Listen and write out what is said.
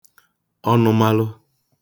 ọnụmalụ